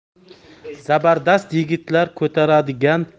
zabardast yigitlar ko'taradigan